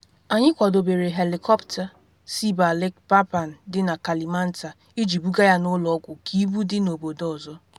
Anyị kwadobere helikọpta si Balikpapan dị na Kalimantan iji buga ya n’ụlọ ọgwụ ka ibu dị n’obodo ọzọ.